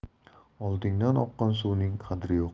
oldingdan oqqan suvning qadri yo'q